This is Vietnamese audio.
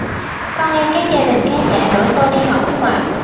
con em các gia đình khá giả đổ xô đi học nước ngoài